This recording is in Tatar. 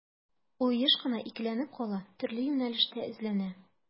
Ул еш кына икеләнеп кала, төрле юнәлештә эзләнә.